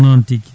noon tigui